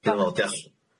Diolch.